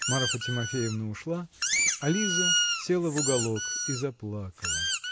Марфа Тимофеевна ушла, а Лиза села в уголок и заплакала.